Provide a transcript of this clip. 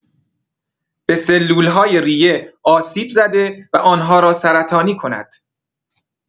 به سلول‌های ریه آسیب‌زده و آن‌ها را سرطانی کند.